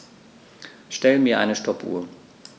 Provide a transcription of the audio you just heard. Stell mir eine Stoppuhr.